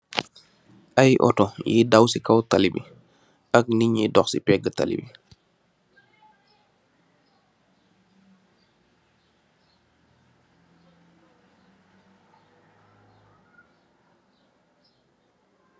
Aye auto, yii daw si kaw tallibi, ak ninyii dokh si pegh tallibi.